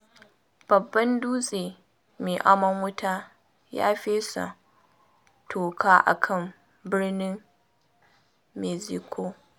Babban dutse mai amon wuta ya fesa toka a kan Birnin Mexico